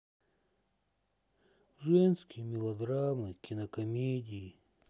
женские мелодрамы кинокомедии